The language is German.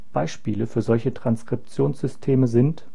Beispiele für solche Transkriptionssysteme sind